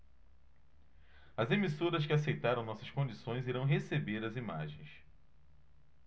as emissoras que aceitaram nossas condições irão receber as imagens